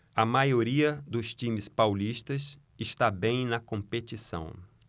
a maioria dos times paulistas está bem na competição